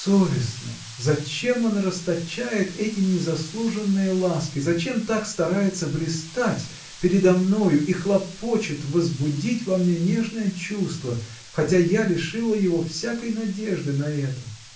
Совестно, зачем он расточает эти незаслуженные ласки, зачем так старается блистать передо мною и хлопочет возбудить во мне нежное чувство, хотя я лишила его всякой надежды на это.